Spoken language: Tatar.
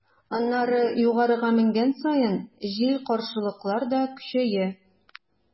Аннары, югарыга менгән саен, җил-каршылыклар да көчәя.